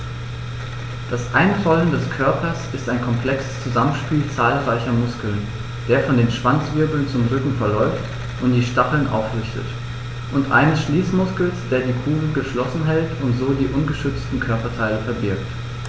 Das Einrollen des Körpers ist ein komplexes Zusammenspiel zahlreicher Muskeln, der von den Schwanzwirbeln zum Rücken verläuft und die Stacheln aufrichtet, und eines Schließmuskels, der die Kugel geschlossen hält und so die ungeschützten Körperteile verbirgt.